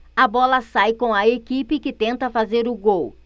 a bola sai com a equipe que tenta fazer o gol